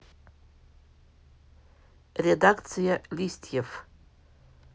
редакция листьев